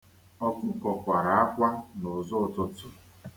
Ọkụkọ kwara akwa n'ụzọụtụtụ.